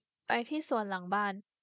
ไปที่สวนหลังบ้าน